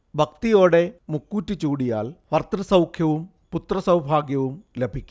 ഭക്തിയോടെ മുക്കുറ്റി ചൂടിയാൽ ഭർതൃസൗഖ്യവും പുത്രഭാഗ്യവും ലഭിക്കും